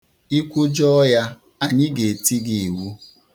Ị kwujọọ ya, anyị ga-eti gị iwu.